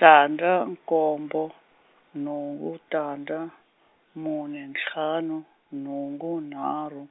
tandza nkombo, nhungu tandza, mune ntlhanu, nhungu nharhu,